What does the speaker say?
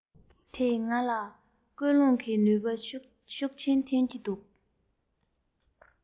དེས ང ལ སྐུལ སློང གི ནུས པ ཤུགས ཆེན ཐོན གྱི འདུག